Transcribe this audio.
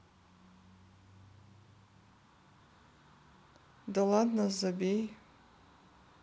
да ладно забей